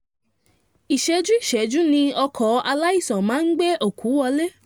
"Ìṣẹ́jú-ìṣẹ́jú ni ọkọ̀ aláísàn máa ń gbé okú wọlé..